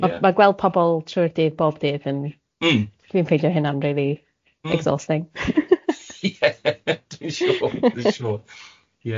Ma' ma' gweld pobl trwy'r dydd bob dydd yn... mm. ...dwi'n ffeindio hynna'n rili exhausting ie dwi'n siŵr dwi'n siŵr ie.